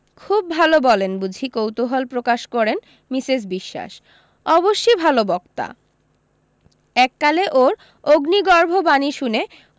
খুব ভালো বলেন বুঝি কুতূহল প্রকাশ করেন মিসেস বিশোয়াস অবশ্যি ভালো বক্তা এককালে ওর অগ্নিগর্ভ বাণী শুনে